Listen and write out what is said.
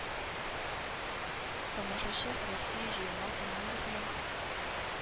Тамашачы Россия җыелма командасының